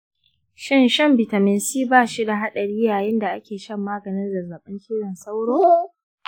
shin shan bitamin c ba shi da hadari yayin da ake shan maganin zazzabin cizon sauro?